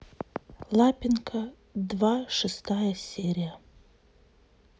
лапенко два шестая серия